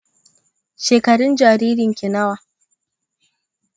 shekarun jaririnki nawa?